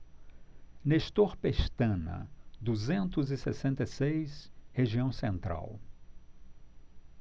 nestor pestana duzentos e sessenta e seis região central